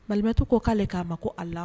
Balimabetu ko k'aale k'a ma ko a la